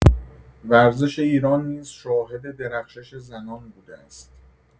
ورزش ایران نیز شاهد درخشش زنان بوده است.